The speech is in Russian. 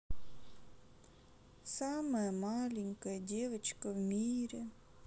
самая маленькая девочка в мире